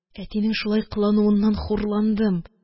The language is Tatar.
Әтинең шулай кылынуыннан хурландым